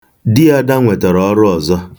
Di Ada nwetara ọrụ ọzọ.